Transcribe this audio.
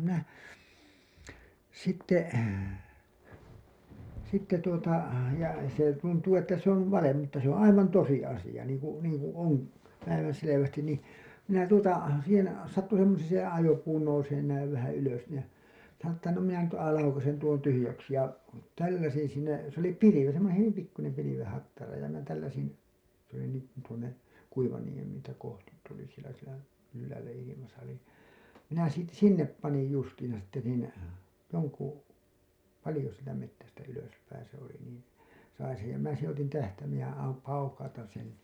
minä sitten sitten tuota ja se tuntuu että se on valhe mutta se on aivan tosi asia niin kuin niin kuin on päivänselvästi niin minä tuota siihen sattui semmoiseen se ajopuu nousemaan näin vähän ylös niin ja sanoin että no minä nyt - laukaisen tuon tyhjäksi ja tälläsin siinä se oli pilvi semmoinen hyvin pikkuinen pilven hattara ja minä tälläsin se oli niin kuin tuonne - Kuivaniemeä kohti tuli siellä siellä ylhäällä ilmassa oli minä - sinne panin justiinsa sitten niin jonkun paljon sieltä metsästä ylöspäin se oli niin sain sen ja minä sen otin tähtäimeen ja - paukautan sen